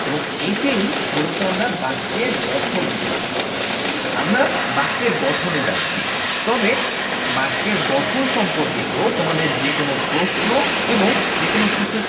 এবং একেই মূলত আমরা বাক্যের গঠন বলি আমরা বাক্যের গঠনে যাচ্ছি তবে বাক্যের গঠন সম্পর্কিত তোমাদের যেকোন প্রশ্ন এবং যে কোন প্রশ্নের